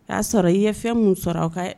O y'a sɔrɔ i ye fɛn min sɔrɔ aw ka